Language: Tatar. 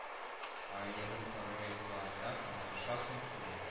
Аерым проектларда катнашасым килә